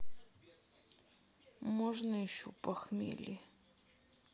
можно еще похмелье